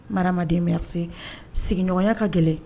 Maramaden merci sigiɲɔgɔnya ka gɛlɛn